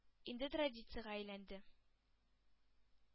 Инде традициягә әйләнде.